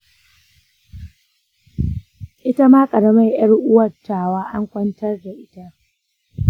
itama ƙaramar ƴar yar-uwata an kwantar da ita.